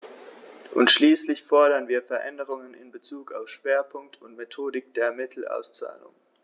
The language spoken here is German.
Und schließlich fordern wir Veränderungen in bezug auf Schwerpunkt und Methodik der Mittelauszahlung.